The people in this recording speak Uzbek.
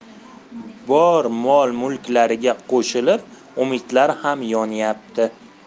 bor mol mulklariga qo'shilib umidlari ham yonyapti